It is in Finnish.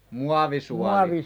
muovisuolia